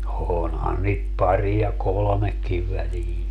onhan niitä pari ja kolmekin väliin